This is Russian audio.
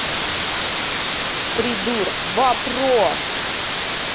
придурок вопрос